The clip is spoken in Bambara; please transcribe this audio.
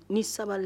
Ni sabali